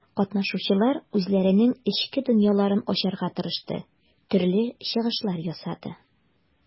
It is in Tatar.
Катнашучылар үзләренең эчке дөньяларын ачарга тырышты, төрле чыгышлар ясады.